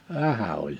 vähän oli